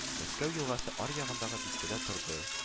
Мәскәү елгасы аръягындагы бистәдә торды